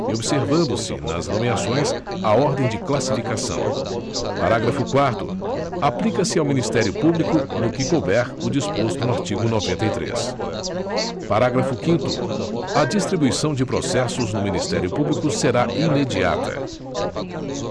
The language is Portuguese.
e observando se nas nomeações a ordem de classificação parágrafo quarto aplica se ao ministério público no que couber o disposto no artigo noventa e três parágrafo quinto a distribuição de processos no ministério público será imediata